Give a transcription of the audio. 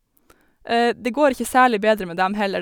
Det går ikke særlig bedre med dem heller.